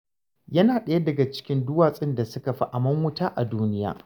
Yana ɗaya daga cikin duwatsun da suka fi amon wuta a duniya.